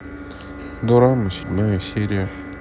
дорама седьмая серия